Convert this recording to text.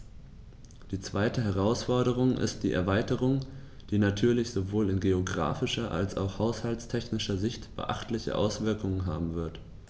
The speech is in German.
Die zweite Herausforderung ist die Erweiterung, die natürlich sowohl in geographischer als auch haushaltstechnischer Sicht beachtliche Auswirkungen haben wird.